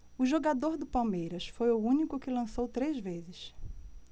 o jogador do palmeiras foi o único que lançou três vezes